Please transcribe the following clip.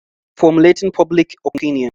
Formulating Public Opinion